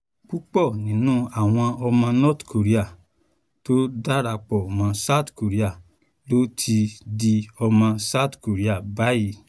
Púpọ̀ nínú àwọn ọmọ North Korea tó darapọ̀ mọ́ South Korea ló ti di ọmọ South Korea báyìí.